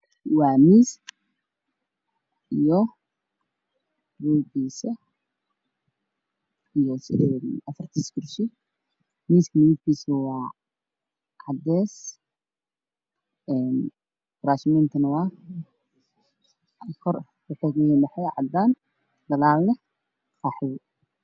Waa miis iyo midabkiisa iyo afartiisa kursi Miiska midabkiisa waa cadeys kuraas miintana waa kor waxey ka yihiin hadaan gadaalne Qaxwi